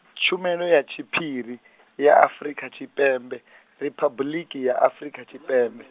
Tshumelo ya Tshiphiri, ya Afrika Tshipembe, Riphabuḽiki ya Afrika Tshipembe.